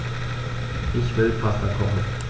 Ich will Pasta kochen.